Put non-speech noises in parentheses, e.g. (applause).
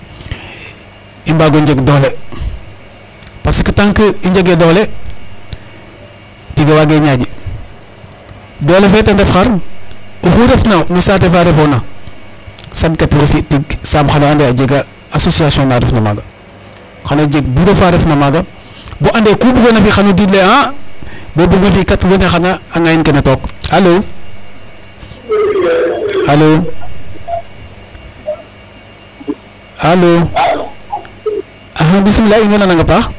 Doole fe ten ref xar oxu refna no saate fa refoona saɗkatiro fi' tig saam xa no ande a jega association na refna maaga xan a jeg bureau fa refna maaga bo andoona yee ku bugoona fi' xan o diid laya a bo bugma fi' kat wene xan a ŋayin kene took alo alo alo (noise) bismila in way nanang a paax.